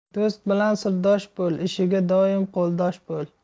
do'st bilan sirdosh bo'l ishiga doim qo'ldosh bo'l